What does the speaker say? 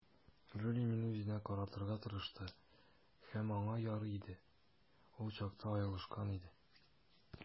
Джули мине үзенә каратырга тырышты, һәм аңа ярый иде - ул чакта аерылышкан иде.